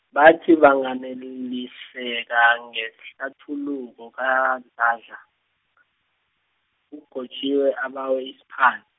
bathi banganeliseka ngehlathululo kaDladla, uGotjiwe abawe isiphan-.